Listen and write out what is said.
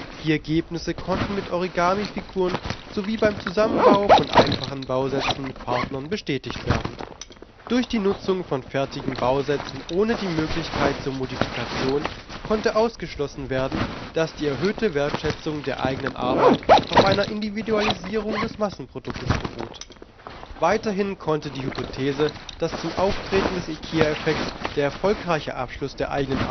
Die Ergebnisse konnten mit Origami-Figuren sowie beim Zusammenbau von einfachen Bausätzen mit Partnern bestätigt werden. Durch die Nutzung von fertigen Bausätzen ohne die Möglichkeit zur Modifikation konnte ausgeschlossen werden, dass die erhöhte Wertschätzung der eigenen Arbeit auf einer Individualisierung des Massenproduktes beruht. Weiterhin konnte die Hypothese, dass zum Auftreten des IKEA-Effekts der erfolgreiche Abschluss der eigenen